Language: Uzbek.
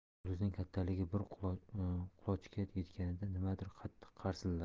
yulduzning kattaligi bir qulochga yetganda nimadir qattiq qarsilladi